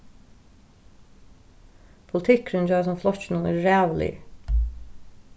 politikkurin hjá hasum flokkinum er ræðuligur